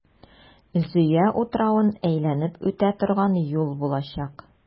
Зөя утравын әйләнеп үтә торган юл булачак.